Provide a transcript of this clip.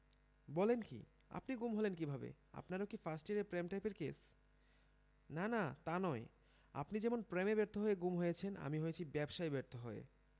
বলেন কী আপনি গুম হলেন কীভাবে আপনারও কি ফার্স্ট ইয়ারের প্রেমটাইপের কেস না না তা নয় আপনি যেমন প্রেমে ব্যর্থ হয়ে গুম হয়েছেন আমি হয়েছি ব্যবসায় ব্যর্থ হয়ে